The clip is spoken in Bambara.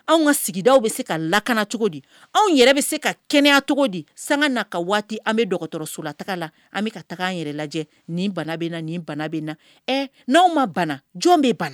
Anw ka sigida bɛ se ka lakana cogo di anw yɛrɛ bɛ se ka kɛnɛya cogo di san na ka waati an bɛ dɔgɔtɔrɔsola taga la an bɛ ka taga an yɛrɛ lajɛ ni bana bɛ na ni bana bɛ na ɛ n' anw ma bana jɔn bɛ bala